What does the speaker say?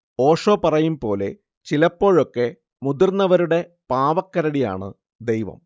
ഓഷോ പറയും പോലെ, ചിലപ്പോഴൊക്കെ മുതിർന്നവരുടെ പാവക്കരടിയാണ് ദൈവം